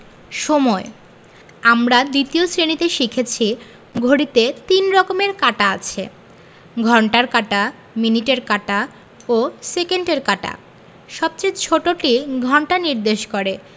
সময়ঃ আমরা ২য় শ্রেণিতে শিখেছি ঘড়িতে ৩ রকমের কাঁটা আছে ঘণ্টার কাঁটা মিনিটের কাঁটা ও সেকেন্ডের কাঁটা সবচেয়ে ছোটটি ঘন্টা নির্দেশ করে